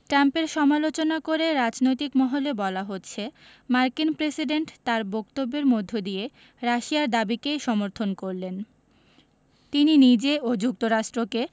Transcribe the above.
ট্রাম্পের সমালোচনা করে রাজনৈতিক মহলে বলা হচ্ছে মার্কিন প্রেসিডেন্ট তাঁর বক্তব্যের মধ্য দিয়ে রাশিয়ার দাবিকেই সমর্থন করলেন তিনি নিজে ও যুক্তরাষ্ট্রকে